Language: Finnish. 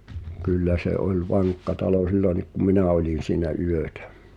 kyllä se oli vankka talo silloinkin kun minä olin siinä yötä